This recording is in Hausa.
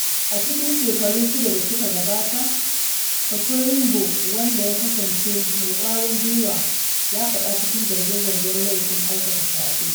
A cikin shekaru shida da suka gabata, Fatoyinbo wanda ya kasance mai ƙwarin gwiwa ya faɗa cikin zarge-zargen laifin aikata fyaɗe.